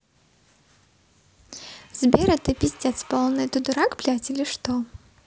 сбер это пиздец полный ты дурак блядь или что